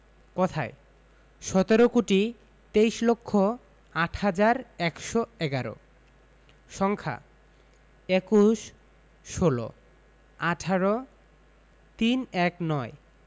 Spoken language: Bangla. কথায়ঃ সতেরো কোটি তেইশ লক্ষ আট হাজার একশো এগারো সংখ্যাঃ ২১ ১৬ ১৮ ৩১৯